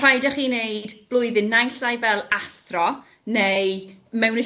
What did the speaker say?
rhaid i chi wneud blwyddyn naill llai fel athro, neu mewn